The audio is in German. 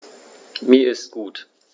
Mir ist gut.